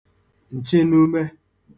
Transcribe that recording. ǹchịnume